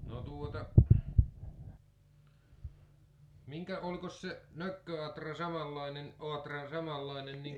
no tuota minkä olikos se nökköaura samanlainen aura samanlainen niin kuin